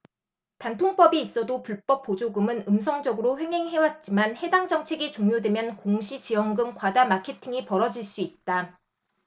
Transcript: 단통법이 있어도 불법 보조금은 음성적으로 횡행해왔지만 해당 정책이 종료되면 공시지원금 과다 마케팅이 벌어질 수 있다